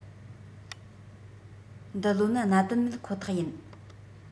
འདི ལོ ནི གནད དོན མེད ཁོ ཐག ཡིན